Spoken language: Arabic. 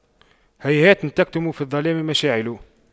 هيهات تكتم في الظلام مشاعل